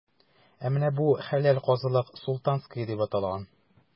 Ә менә бу – хәләл казылык,“Султанская” дип аталган.